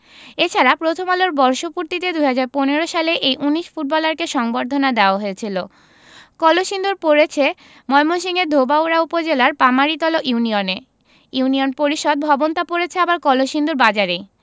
এ ছাড়া প্রথম আলোর বর্ষপূর্তিতে ২০১৫ সালে এই ১৯ ফুটবলারকে সংবর্ধনা দেওয়া হয়েছিল কলসিন্দুর পড়েছে ময়মনসিংহের ধোবাউড়া উপজেলার গামারিতলা ইউনিয়নে ইউনিয়ন পরিষদ ভবনটা পড়েছে আবার কলসিন্দুর বাজারেই